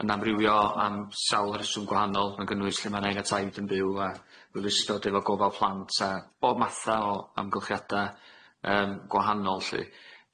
yn amrywio am sawl rheswm gwahanol gan gynnwys lle ma' nain a taid yn byw a ryw lystad efo gofal plant a bob matha o amgylchiada yym gwahanol lly.